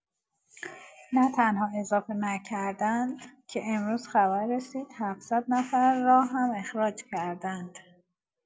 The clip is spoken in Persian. نه‌تنها اضافه نکردند که امروز خبر رسید ۷۰۰ نفر را هم اخراج کردند.